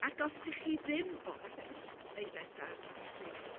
Ac os dach chi ddim... o falle y s- sleid nesa fi'n credu.